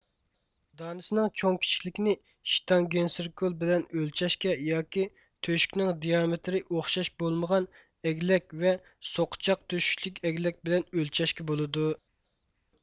دانىسننىڭ چوڭ كىچىكلىكىنى شتانگېنسركول بىلەن ئۆلچەشكە ياكى تۆشۈكنىڭ دېئامېتىرى ئوخشاش بولمىغان ئەگلەك ۋە سوقىچاق تۆشۈكلۈك ئەگلەك بىلەن ئۆلچەشكە بولىدۇ